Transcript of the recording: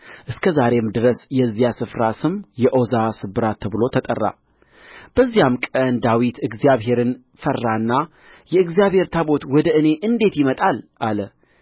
እስከ ዛሬም ድረስ የዚያ ስፍራ ስም የዖዛ ስብራት ተብሎ ተጠራ በዚያም ቀን ዳዊት እግዚአብሔርን ፈራና የእግዚአብሔር ታቦት ወደ እኔ እንዴት ይመጣል አለ